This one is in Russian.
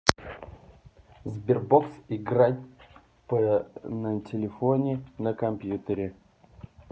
sberbox играть по на телефоне на компьютере